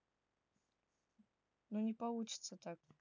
ну не получится так